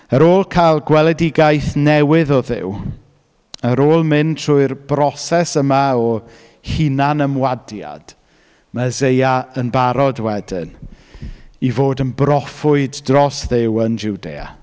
Ar ôl cael gweledigaeth newydd o Dduw, ar ôl mynd trwy'r broses yma o hunan ymwadiad, ma' Eseia yn barod wedyn i fod yn broffwyd dros Dduw yn Jwdea.